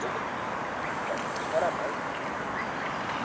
lekin keyin hissasini chiqaramiz